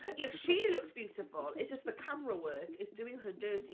Ie, she looks beautiful, it's just the camera work is doing her dirty.